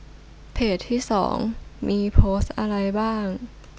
เพจที่สองมีโพสต์อะไรบ้าง